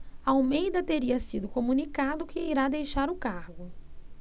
almeida teria sido comunicado que irá deixar o cargo